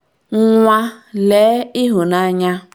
Nwalee ịhụnanya.”